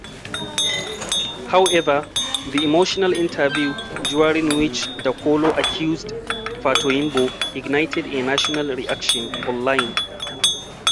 However, the emotional interview during which Dakolo accused Fatoyinbo ignited a national reaction online.